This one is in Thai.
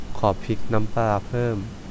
ขอพริกน้ำปลาเพิ่ม